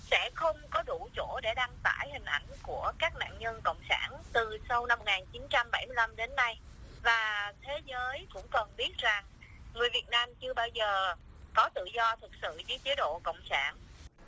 sẽ không có đủ chỗ để đăng tải hình ảnh của các nạn nhân cộng sản từ sau năm một ngàn chín trăm bảy mươi lăm đến nay và thế giới cũng cần biết rằng người việt nam chưa bao giờ có tự do thực sự dưới chế độ cộng sản